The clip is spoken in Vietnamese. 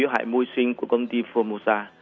hoại môi sinh của công ty phô mô sa